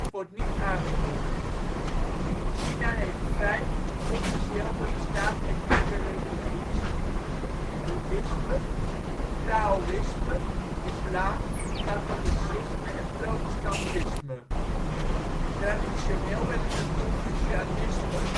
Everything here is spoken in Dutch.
wordt niet aangemoedigd. China heeft vijf officieel door de staat erkende religies: boeddhisme, taoïsme, islam, katholicisme en protestantisme. Traditioneel werden het confucianisme